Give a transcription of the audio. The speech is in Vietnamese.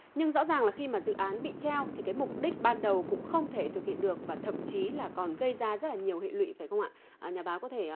nhưng rõ ràng là khi mà dự án bị treo thì cái mục đích ban đầu cũng không thể thực hiện được và thậm chí là còn gây ra nhiều rất là nhiều hệ lụy phải không ạ ờ nhà báo có thể